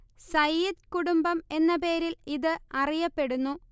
സയ്യിദ് കുടുംബം എന്ന പേരിൽ ഇത് അറിയപ്പെടുന്നു